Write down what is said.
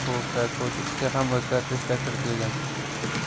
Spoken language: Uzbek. to'g'risidagi kodeksga ham o'zgartishlar kiritilgan